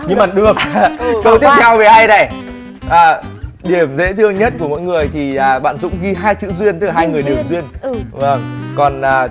nhưng mà được câu tiếp theo mới hay này điểm dễ thương nhất của mỗi người thì bạn dũng ghi hai chữ duyên tức là hai người đều duyên còn